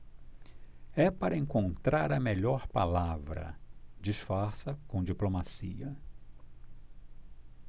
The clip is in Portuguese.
é para encontrar a melhor palavra disfarça com diplomacia